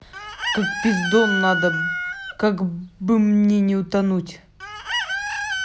как пиздон надо как бы мне не утонуть